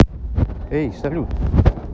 эй салют